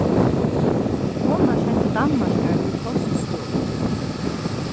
hon varð send til danmarkar í kostskúla